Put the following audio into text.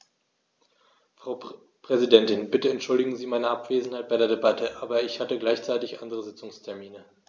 Frau Präsidentin, bitte entschuldigen Sie meine Abwesenheit bei der Debatte, aber ich hatte gleichzeitig andere Sitzungstermine.